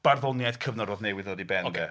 Barddoniaeth cyfnod oedd newydd ddod i ben 'de... Ocê.